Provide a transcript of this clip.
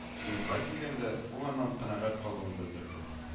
Уенга килгәндә, ул аннан канәгать калуын белдерде